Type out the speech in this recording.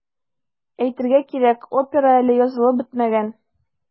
Әйтергә кирәк, опера әле язылып бетмәгән.